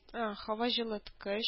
Һаваҗылыткыч